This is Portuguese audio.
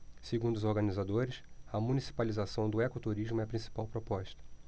segundo os organizadores a municipalização do ecoturismo é a principal proposta